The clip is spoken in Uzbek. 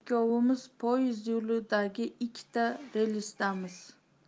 ikkovimiz poezd yo'lidagi ikkita relsdamiz